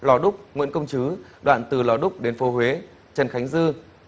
lò đúc nguyễn công trứ đoạn từ lò đúc đến phố huế trần khánh dư